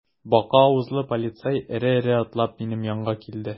Бака авызлы полицай эре-эре атлап минем янга килде.